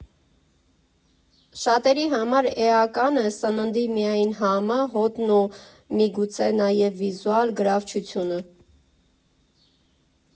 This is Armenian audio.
Շատերի համար էական է սննդի միայն համը, հոտն ու, միգուցե, նաև վիզուալ գրավչությունը։